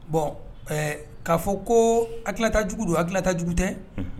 Bon ɛɛ k'a fɔ ko hakilata jugu don, hakilata jugu tɛ? Unhun.